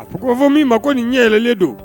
A fɔ k'o fɔ min ma ko nin ɲɛ yɛlɛlen do